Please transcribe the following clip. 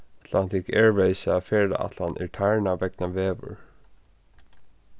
atlantic airwaysa ferðaætlan er tarnað vegna veður